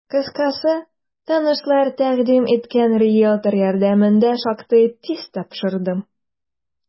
Кыскасы, танышлар тәкъдим иткән риелтор ярдәмендә шактый тиз тапшырдым.